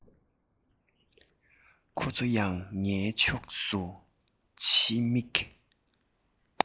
ཁོ ཚོ ཡང ངའི ཕྱོགས སུ ཕྱི མིག